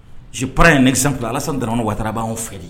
Je prends un exemple. Alassane Dramane Ouattara banw filɛ